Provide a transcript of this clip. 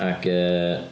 Ac yy